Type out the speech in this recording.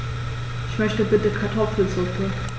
Ich möchte bitte Kartoffelsuppe.